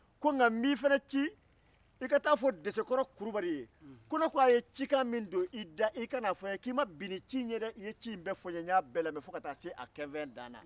ko nka n b'i fana ci i ka taa a fɔ desekɔrɔ kulubali ye ko ne ko a ye cikan min don i da i ka n'a fɔ n ye k'i ma bin ni ci in ye dɛ i ye ci in bɛɛ fɔ n ye n y'a bɛɛ lamɛ fɔ ka taa a se a kɛnfɛn dan na